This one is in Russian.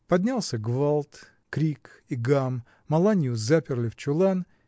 Поднялся гвалт, крик и гам: Маланью заперли в чулан